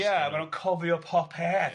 Ia a maen nhw'n cofio popeth